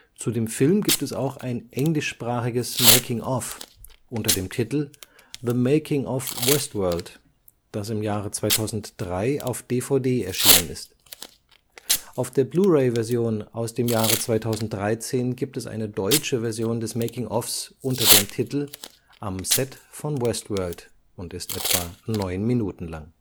Zu dem Film gibt es auch ein englischsprachiges Making of unter dem Titel „ The Making Of Westworld “, das im Jahre 2003 auf DVD erschienen ist. Auf der Blu-ray-Version aus dem Jahre 2013 gibt es eine deutsche Version des Making ofs unter dem Titel „ Am Set von Westworld “(ca. 9 Min.